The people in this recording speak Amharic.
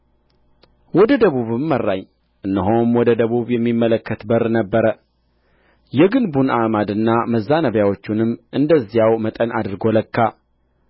ወደ ደቡብም መራኝ እነሆም ወደ ደቡብ የሚመለከት በር ነበረ የግንቡን አዕማድና መዛነቢያዎቹንም እንደዚያው መጠን አድርጎ ለካ